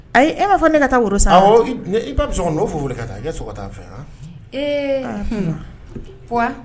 Ayi e m'a fɔ ko ne ka taa woro san. Awɔ i b'a bɛ sɔn ka na . puwa.